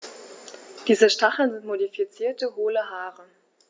Diese Stacheln sind modifizierte, hohle Haare.